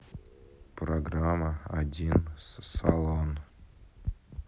программа один с салон